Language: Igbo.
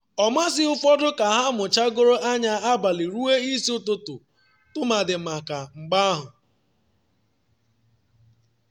Otu onye nkwado na Twitter kọwara mgbanwe banye n’ihe nkiri ụmụaka ahụ ka “nnukwu njakịrị atọghị ọchị.”